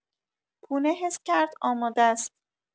پونه حس کرد آماده‌ست.